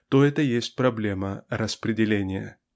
то это есть проблема распределения.